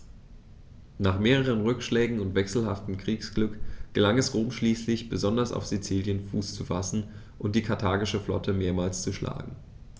Nach mehreren Rückschlägen und wechselhaftem Kriegsglück gelang es Rom schließlich, besonders auf Sizilien Fuß zu fassen und die karthagische Flotte mehrmals zu schlagen.